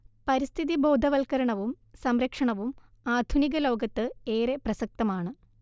പരിസ്ഥി ബോധവൽക്കരണവും സംരക്ഷണവും ആധുനിക ലോകത്ത് ഏറെ പ്രസക്തമാണ്